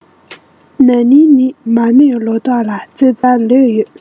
ན ནིང ནི མ རྨོས ལོ དོག ལ ཙེ འཛར ལོས ཡོད